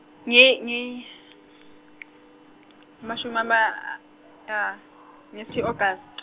nje nje, mashumama ah ah neti- August.